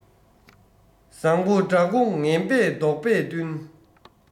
བཟང པོ དགྲ མགོ ངན པས བཟློག པས བསྟུན